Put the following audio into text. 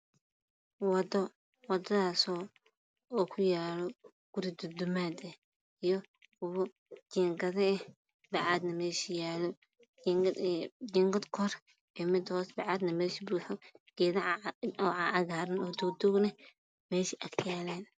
Wado ku yaalo kuryo jiingado bacad geedo meesha agteeda yaalo